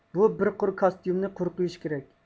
بۇ بىر قۇر كاستيۇمنى قۇرۇق يۇيۇش كېرەك